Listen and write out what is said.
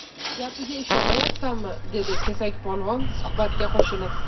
gapiga ishonmayapsanmi dedi kesakpolvon suhbatga qo'shilib